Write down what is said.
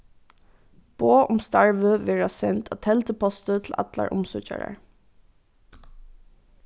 boð um starvið verða send á telduposti til allar umsøkjarar